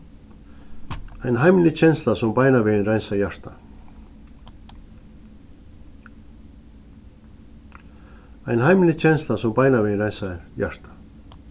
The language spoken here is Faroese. ein heimlig kensla sum beinanvegin reinsar hjartað